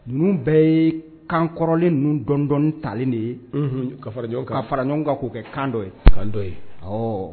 Dunun bɛɛ ye kan kɔrɔlen ninnudɔndɔ talen de yej ka fara ɲɔgɔn kan k'o kɛ kan ye kan ye ɔ